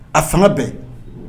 A fanga bɛn